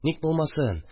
Ник булмасын